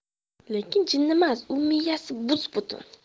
lekin jinnimas u miyasi bus butun